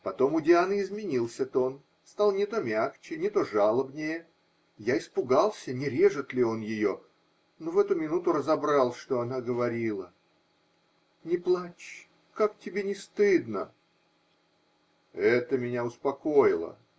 Потом у Дианы изменился тон, стал не то мягче, не то жалобнее -- я испугался, не режет ли он ее, но в эту минуту разобрал, что она говорила: -- Не плачь, как тебе не стыдно! Это меня успокоило.